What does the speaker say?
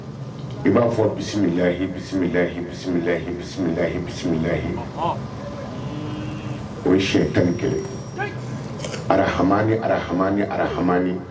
I b'a fɔ bisimila bisimila bisimila bisimila bisimila bisimila ɔnhɔn, o ye siyɛn 11 arahaman arahaman arahaman